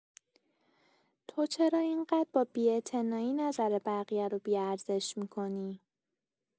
تو چرا این‌قدر با بی‌اعتنایی نظر بقیه رو بی‌ارزش می‌کنی؟